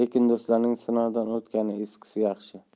lekin do'stlarning sinovdan o'tgani eskisi yaxshi